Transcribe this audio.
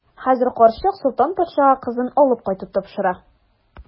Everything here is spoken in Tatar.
Хәзер карчык Солтан патшага кызын алып кайтып тапшыра.